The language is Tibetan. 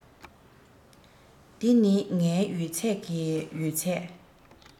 འདི ནི ངའི ཡོད ཚད ཀྱི ཡོད ཚད